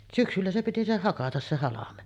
syksyllä se piti se hakata se halme